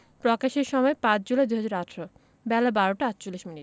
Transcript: প্রকাশের সময় ৫ জুলাই ২০১৮ বেলা১২টা ৪৮ মিনিট